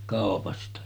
kaupasta